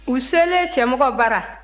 u selen cɛmɔgɔ bara